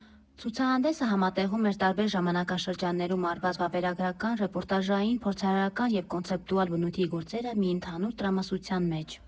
Ցուցահանդեսը համատեղում էր տարբեր ժամանակաշրջաններում արված վավերագրական, ռեպորտաժային, փորձարարական և կոնցեպտուալ բնույթի գործերը մի ընդհանուր տրամասության մեջ։